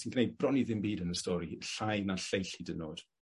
sy'n gneud bron i ddim byd yn y stori, llai na'r lleill hyd yn o'd.